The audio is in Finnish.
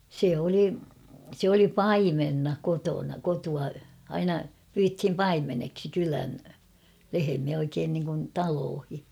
se oli se oli paimenena kotona kotoa aina pyydettiin paimeneksi kylän lehmiä oikein niin kuin taloihin